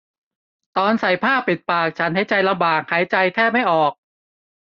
ตอนใส่ผ้าปิดปากฉันหายใจลำบากหายใจแทบไม่ออก